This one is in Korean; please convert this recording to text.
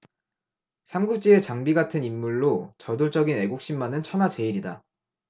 삼국지의 장비 같은 인물로 저돌적인 애국심만은 천하제일이다